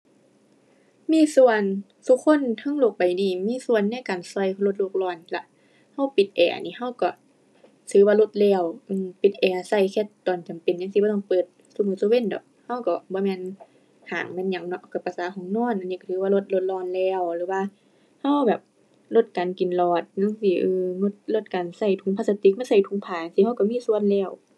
มีส่วน ซุคนทั้งโลกใบนี้มีส่วนในการช่วยลดโลกร้อนละ ช่วยปิดแอร์นี่ช่วยช่วยถือว่าลดแล้ว อือ ปิดแอร์ ช่วยแค่ตอนจำเป็นจั่งซี้ บ่ต้องเปิดซุมื้อซุช่วยดอก ช่วยช่วยบ่แม่นห้างแม่นหยังเนาะ ช่วยประสาห้องนอน อันนี้ช่วยถือว่าลดโลกร้อนแล้ว หรือว่าช่วยแบบลดการกินหลอดจั่งซี้ เออ ลดการช่วยถุงพลาสติกมาช่วยถุงผ้าจั่งซี้ ช่วยช่วยมีส่วนแล้ว